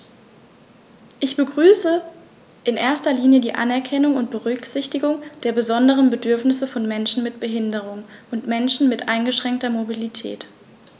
Ich begrüße in erster Linie die Anerkennung und Berücksichtigung der besonderen Bedürfnisse von Menschen mit Behinderung und Menschen mit eingeschränkter Mobilität.